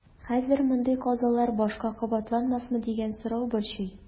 Хәзер мондый казалар башка кабатланмасмы дигән сорау борчый.